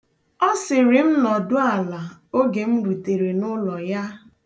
Ọ sịrị m nọdụ ala oge m rutere n'ụlọ ya.